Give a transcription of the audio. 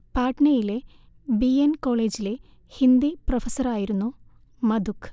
പാട്നയിലെ B N കോളേജിലെ ഹിന്ദി പ്രൊഫസ്സറായിരുന്നു മഥുക്